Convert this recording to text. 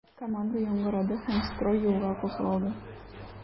Команда яңгырады һәм строй юлга кузгалды.